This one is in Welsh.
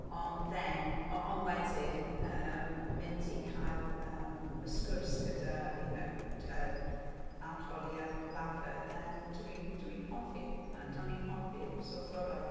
Ond then... ond wedyn yym mynd i cael yym y sgwrs gyda you know yr... yr arholiad lafar then dwi'n... dwi'n hoffi... 'do'n i'n hof- it was y gorau.